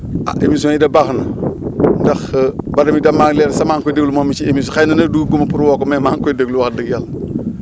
ah émissions yi de baax na ndax Bada mii tam maa ngi leen sax maa ngi koy déglu moom si émi xëy na nag duggaguma pour woo ko mais maa ngi koy déglu wax dëgg yàlla